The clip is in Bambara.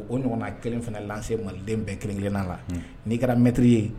O ɲɔgɔn kelen fana lancé _ Maliden bɛɛ kelen-kelenna la n'i kɛra maitre ye.